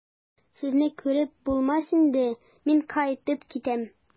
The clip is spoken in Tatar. Сезне күреп булмас инде, мин кайтып китәм.